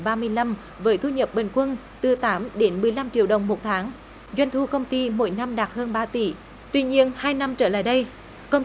ba mươi lăm với thu nhập bình quân từ tám đến mười lăm triệu đồng một tháng doanh thu công ty mỗi năm đạt hơn ba tỷ tuy nhiên hai năm trở lại đây công